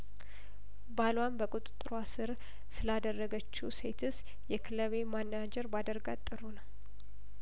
ባሏን በቁጥጥሯ ስር ስላደረገችው ሴት ስየክለቤ ማናጀር ባደርጋት ጥሩ ነው